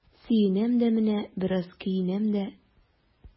Сөенәм дә менә, бераз көенәм дә.